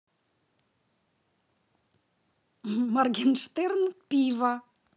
morgenshtern пиво